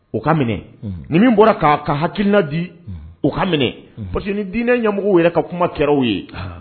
O ka minɛ nin min bɔra k'a ka hakiina di u ka minɛ parce que nin diinɛ ɲam wele ka kuma kɛraw ye